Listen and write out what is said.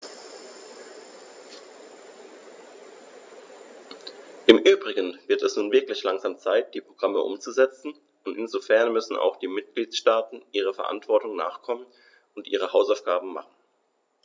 Im übrigen wird es nun wirklich langsam Zeit, die Programme umzusetzen, und insofern müssen auch die Mitgliedstaaten ihrer Verantwortung nachkommen und ihre Hausaufgaben machen.